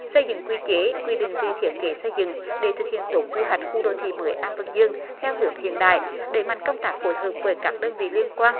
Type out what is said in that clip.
xây dựng quy chế quy định về thiết kế xây dựng để thực hiện tốt quy hoạch khu đô thị mới an vân dương theo hướng hiện đại đẩy mạnh công tác phối hợp với các đơn vị liên quan